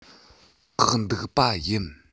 བཀག འདུག པ ཡིན